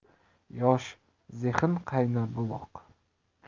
yosh zehn qaynar buloq